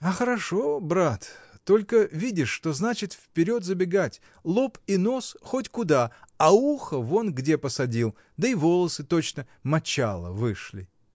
— А хорошо, брат, только видишь, что значит вперед забегать: лоб и нос — хоть куда, а ухо вон где посадил, да и волосы точно мочала вышли.